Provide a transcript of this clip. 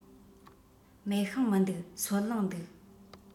མེ ཤིང མི འདུག སོལ རླངས འདུག